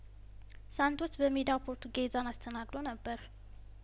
ሳንቶስ በሜዳው ፖርቱጌዛን አስተናግ ዶ ነበር